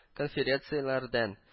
Конференцияләрдән